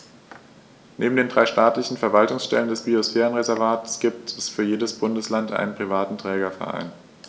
Neben den drei staatlichen Verwaltungsstellen des Biosphärenreservates gibt es für jedes Bundesland einen privaten Trägerverein.